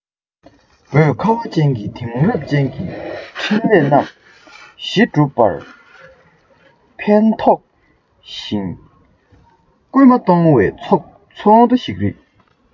བོད ཁ བ ཅན གྱིས དེང རབས ཅན གྱི འཕྲིན ལས རྣམ བཞི བསྒྲུབ པར ཕན ཐོགས ཤིང སྐུལ མ གཏོང བའི ཚོགས འདུ ཞིག རེད